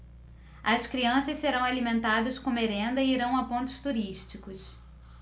as crianças serão alimentadas com merenda e irão a pontos turísticos